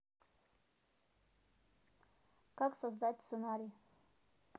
как создать сценарий